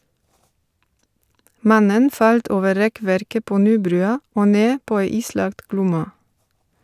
Mannen falt over rekkverket på Nybrua og ned på ei islagt Glomma.